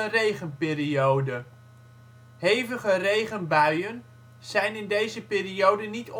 regenperiode; hevige regenbuien zijn in deze periode niet